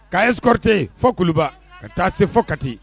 K'a escorter fɔ Kuluba ka taa se fɔ Kati